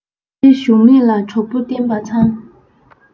ཁྲེལ གཞུང མེད ལ གྲོགས པོར བསྟེན པ མཚང